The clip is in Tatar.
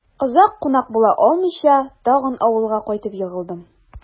Озак кунак була алмыйча, тагын авылга кайтып егылдым...